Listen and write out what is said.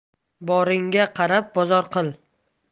boringga qarab bozor qil